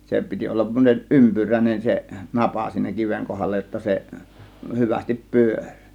se piti olla semmoinen ympyräinen se napa siinä kiven kohdalla jotta se hyvästi pyöri